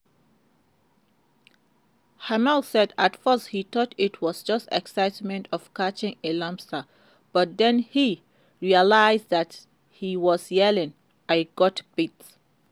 Hammel said at first he thought it was just excitement of catching a lobster, but then he "realized that he was yelling, 'I got bit!